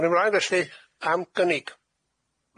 Awn i mlaen felly, am gynnig.